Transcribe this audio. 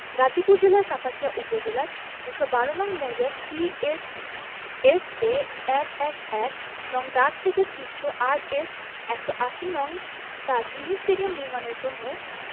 গাজীপুর জেলার কাপাসিয়া উপজেলার ২১২ নং মৌজার সি এস এস এ ১১১ নং দাগ থেকে সৃষ্ট আরএস ১৮০ নং দাগ মিনি স্টেডিয়াম নির্মাণের জন্য